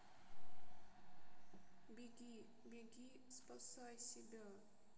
беги беги спасай себя